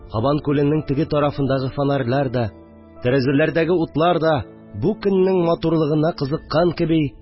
Кабан күленең теге тарафындагы фонарьлар да, тәрәзәләрдәге утлар да бу көннең матурлыгына кызыккан кеби